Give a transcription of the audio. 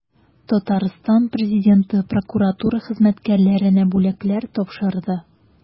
Татарстан Президенты прокуратура хезмәткәрләренә бүләкләр тапшырды.